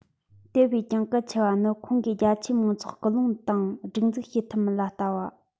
དེ བས ཀྱང གལ ཆེ བ ནི ཁོང གིས རྒྱ ཆེའི མང ཚོགས སྐུལ སློང དང སྒྲིག འཛུགས བྱེད ཐུབ མིན ལ བལྟ བ